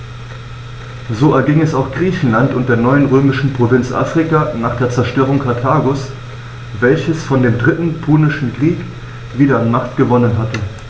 So erging es auch Griechenland und der neuen römischen Provinz Afrika nach der Zerstörung Karthagos, welches vor dem Dritten Punischen Krieg wieder an Macht gewonnen hatte.